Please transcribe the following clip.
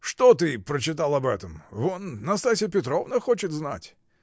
Что ты прочитал об этом: вон Настасья Петровна хочет знать?